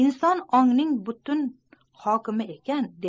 inson ongning mutlaq hokimidir